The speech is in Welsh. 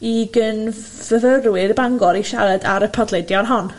i gyn-fyfyrwyr Bangor i siarad ar y podledion hon.